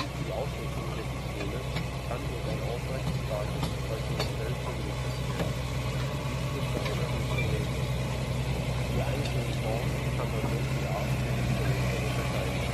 Die Ausrichtung der Dipole kann durch ein ausreichend starkes äußeres Feld umgekehrt werden. Dies führt zu einer Hysterese. Die einzelnen Formen kann man durch die Art der Hysterese unterscheiden